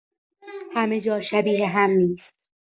همه‌جا شبیه هم نیست.